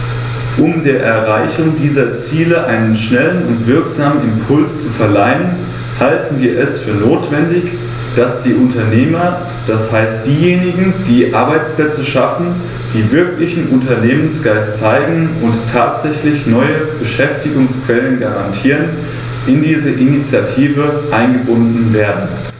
Um der Erreichung dieser Ziele einen schnellen und wirksamen Impuls zu verleihen, halten wir es für notwendig, dass die Unternehmer, das heißt diejenigen, die Arbeitsplätze schaffen, die wirklichen Unternehmergeist zeigen und tatsächlich neue Beschäftigungsquellen garantieren, in diese Initiative eingebunden werden.